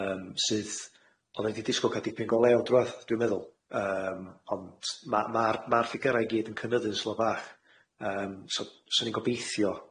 yym syth oddan ni 'di disgwyl ca'l dipyn go lew dw'odd dwi'n meddwl yym ond ma' ma'r ma'r ffigyra i gyd yn cynyddu'n slo bach yym so 'swn i'n gobeithio